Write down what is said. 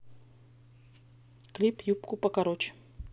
клип юбку покороче